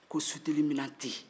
ko suteli minɛn tɛ yen